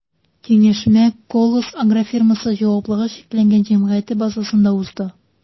Киңәшмә “Колос” агрофирмасы” ҖЧҖ базасында узды.